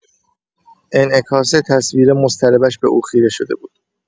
انعکاس تصویر مضطربش به او خیره شده بود.